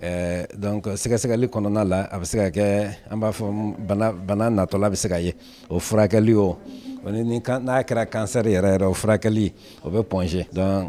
Dɔn sɛgɛsɛgɛli kɔnɔna la a bɛ se ka kɛ an b'a fɔ bana natɔla bɛ se' ye o furakɛli o n'a kɛra kansɛɛrɛ yɛrɛ yɛrɛ o furakɛli o bɛ pɔɔnse dɔn